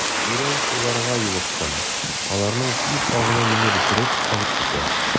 Тирән суларга юлыктым, аларның тиз агымы мине бөтереп алып китә.